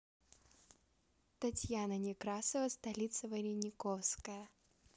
татьяна некрасова столица варениковская